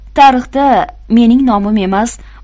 tarixda mening nomim emas